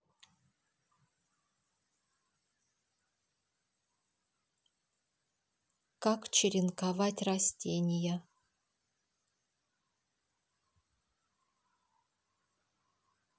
как черенковать растения